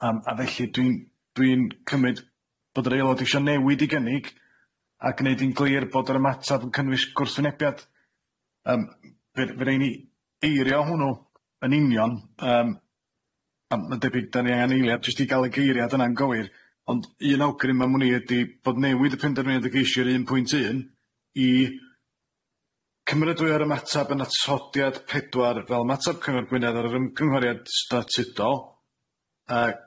Yym a felly dwi'n dwi'n cymyd bod yr eulod isho newid 'i gynnig a gneud hi'n glir bod yr ymatab yn cynnwys gwrthwynebiad yym fy' fy' rei' ni eirio hwnnw yn union yym a ma'n debyg 'dan ni angan eiliad jyst i ga'l y geiriad yna'n gywir ond un awgrym am wn i ydi bod newid y penderfyniad y geishir un pwynt un i cymyradwyo'r ymatab yn atodiad pedwar fel ymatab cyngor Gwynedd ar yr ymgynghoriad statudol yy